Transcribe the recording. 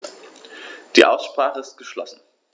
Die Aussprache ist geschlossen.